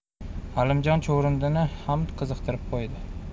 halimjon chuvrindini ham qiziqtirib qo'ydi